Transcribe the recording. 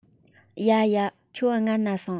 ཡ ཡ ཁྱོད སྔན ན སོང